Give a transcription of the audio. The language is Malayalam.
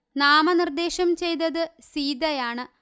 നാമ നിര്ദ്ദേശം ചെയ്തത് സീതയാണ്